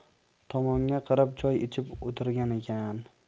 tomonga qarab choy ichib o'tirgan ekan